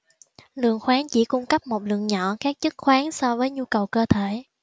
lượng khoáng chỉ cung cấp một lượng nhỏ các chất khoáng so với nhu cầu cơ thể